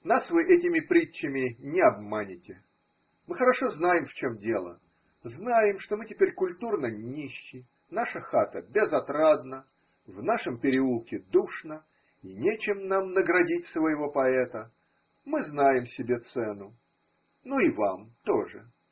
Нас вы этими притчами не обманете: мы хорошо знаем, в чем дело, знаем, что мы теперь культурно нищи, наша хата безотрадна, в нашем переулке душно, и нечем нам наградить своего поэта мы знаем себе цену. но и вам тоже!